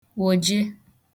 wòje